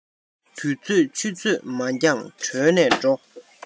དུས ཚོད ཆུ ཚོད མ འགྱངས གྲོལ ནས འགྲོ